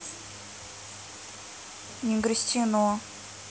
негрустин о